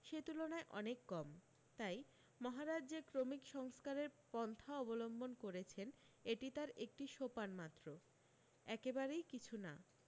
সে তুলনায় অনেক কম তাই মহারাজ যে ক্রমিক সংস্কারের পন্থা অবলম্বন করেছেন এটি তার একটি সোপান মাত্র একেবারেই কিছু না